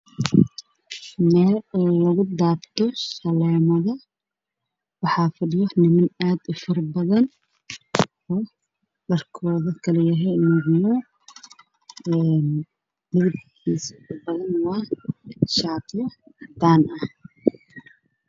Bishaan waa meel ay dadka buuxaan oo ifayso meesha iyadoo dhan waan wada jaallo wayna barqaysaa waana meel qurxan